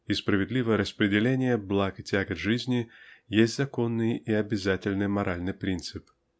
и справедливое распределение благ и тягот жизни есть законный и обязательный моральный принцип.